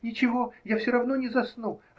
-- Ничего, я все равно не засну.